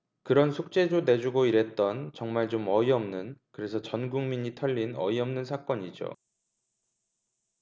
그런 숙제도 내주고 이랬던 정말 좀 어이없는 그래서 전국민이 털린 어이없는 사건이죠